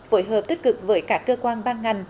phối hợp tích cực với các cơ quan ban ngành